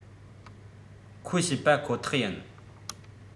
ཁོ ཤེས པ ཁོ ཐག ཡིན